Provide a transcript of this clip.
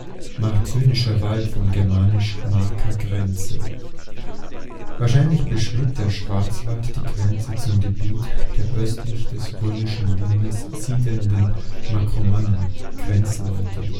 Marcynischer Wald “; von germanisch marka, „ Grenze “). Wahrscheinlich beschrieb der Schwarzwald die Grenze zum Gebiet der östlich des römischen Limes siedelnden Markomannen („ Grenzleute